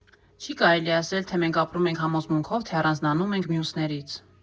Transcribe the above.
Չի կարելի ասել, թե մենք ապրում ենք համոզմունքով, թե առանձնանում ենք մյուսներից։